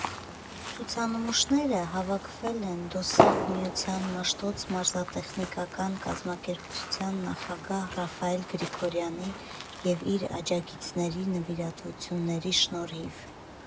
Ցուցանմուշները հավաքվել են ԴՕՍԱՖ միության Մաշտոց մարզատեխնիկական կազմակերպության նախագահ Ռաֆայել Գրիգորյանի և իր աջակիցների նվիրատվությունների շնորհիվ։